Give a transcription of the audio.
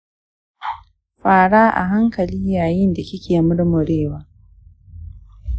fara a hankali yayin da kike murmurewa.